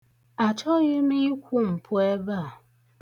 Achọghị m ikwu mpụ ebe a.